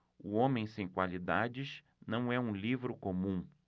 o homem sem qualidades não é um livro comum